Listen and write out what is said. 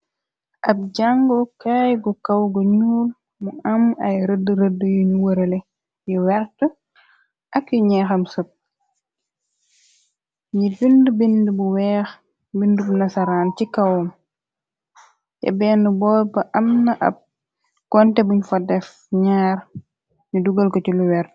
Ab jàngo kaay gu kaw gu ñuul mu am ay rëdd rëdd yuñ wërale yi wert ak yu ñeexam sëp ñi dind webind bu nasaraan ci kawam te benn bopb am na ab konte buñ fa def ñaar ñu dugal ko ci lu weer.